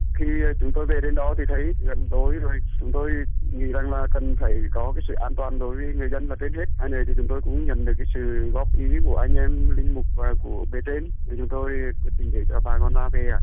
khi chúng tôi về đến đó thì thấy gần tối rồi chúng tôi nghĩ rằng là cần phải có sự an toàn đối với người dân là trên hết hai nữa thì chúng tôi cũng nhận được sự góp ý của anh em linh mục và của bề trên thì chúng tôi quyết định để cho bà con ra về ạ